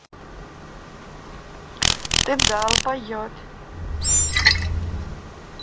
ты дал поет